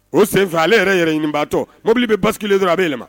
O senfɛ ale yɛrɛ yɛrɛ ɲini baatɔ mobili bɛ bascule a bɛ yɛlɛma.